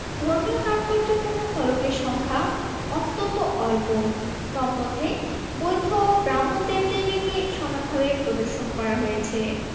ধর্মীয় তাৎপর্যপূর্ণ ফলকের সংখ্যা অত্যন্ত অল্প তন্মধ্যে বৌদ্ধ ও ব্রাক্ষ্মণ দেবদেবীকে সমানভাবে প্রদর্শন করা হয়েছে